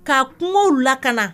Ka kuŋow lakana